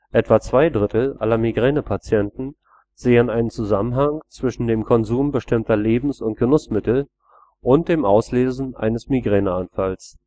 Etwa zwei Drittel aller Migränepatienten sehen einen Zusammenhang zwischen dem Konsum bestimmter Lebens - und Genussmittel und dem Auslösen eines Migräneanfalls